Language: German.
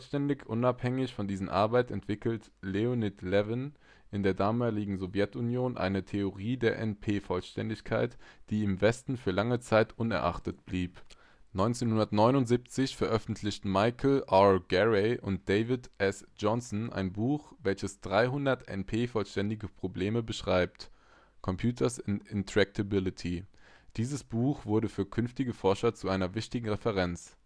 Völlig unabhängig von diesen Arbeiten entwickelte Leonid Levin (1973) in der damaligen Sowjetunion eine Theorie der NP-Vollständigkeit, die im Westen für lange Zeit unbeachtet blieb. 1979 veröffentlichen Michael R. Garey und David S. Johnson ein Buch, welches 300 NP-vollständige Probleme beschreibt (Computers and intractability). Dieses Buch wurde für künftige Forscher zu einer wichtigen Referenz